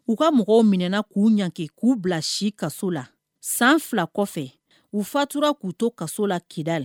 U ka mɔgɔw minɛna k'u ɲangi kɛ k'u bila si kaso la, san 2 kɔfɛ u fatura k'u to kaso la kidali.